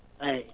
eeyi